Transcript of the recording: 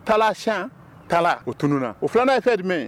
Kala kala u tunun u filanan ye fɛn jumɛn ye